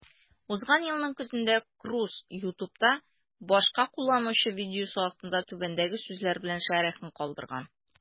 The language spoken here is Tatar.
Узган елның көзендә Круз YouTube'та башка кулланучы видеосы астында түбәндәге сүзләр белән шәрехен калдырган: